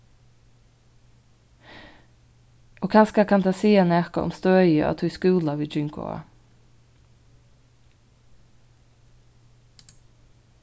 og kanska kann tað siga nakað um støðið á tí skúla vit gingu á